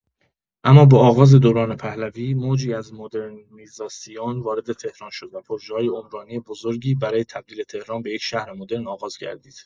اما با آغاز دوران پهلوی، موجی از مدرنیزاسیون وارد تهران شد و پروژه‌های عمرانی بزرگی برای تبدیل تهران به یک شهر مدرن آغاز گردید.